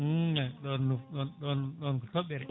ɗon ɗon ɗon ɗon ɗon ko fabɓere